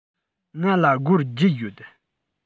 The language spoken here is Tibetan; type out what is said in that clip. ང ལ སྒོར བརྒྱད ཡོད